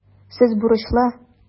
Сез бурычлы.